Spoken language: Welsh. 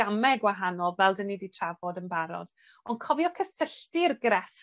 game gwahanol fel 'dyn ni 'di trafod yn barod, ond cofio cysylltu'r grefft